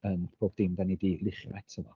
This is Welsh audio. Yn bob dim dan ni di luchio ato fo.